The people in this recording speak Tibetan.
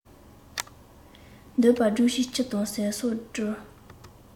འདོད པ སྒྲུབ ཕྱིར ཆུ དང ཟམ སོགས སྤྲུལ